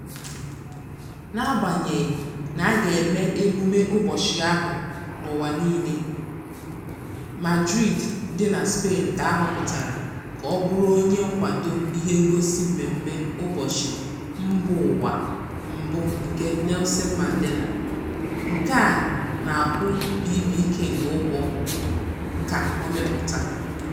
N'agbanyeghị na a ga-eme emume ụbọchị ahụ n'ụwa niile, Madrid dị na Spain ka a họpụtara ka ọ bụrụ onye nkwado ihengosị mmemme ụbọchị mbaụwa mbụ nke Nelson Mandela, nke a na-akwụ BB King ụgwọ ka ọ mepụta.